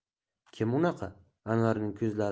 kim unaqa anvarning ko'zlari